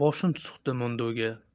boshini suqdi mo'nduga